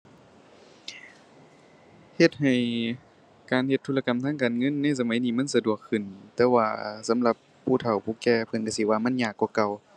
เฮ็ดให้การเฮ็ดธุรกรรมทางการเงินในสมัยนี้มันสะดวกขึ้น แต่ว่าสำหรับผู้เฒ่าผู้แก่เพิ่นก็สิว่ามันยากกว่าเก่า